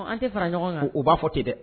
Ɔn an te fara ɲɔgɔn kan u u b'a fɔ te dɛ